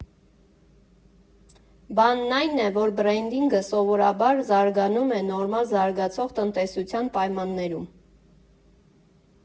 Բանն այն է, որ բրենդինգը սովորաբար զարգանում է նորմալ զարգացող տնտեսության պայմաններում։